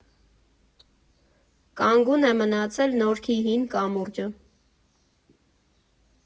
Կանգուն է մնացել Նորքի հին կամուրջը.